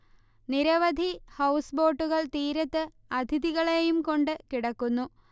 നിരവധി ഹൗസ് ബോട്ടുകൾ തീരത്ത് അതിഥികളെയും കൊണ്ട് കിടക്കുന്നു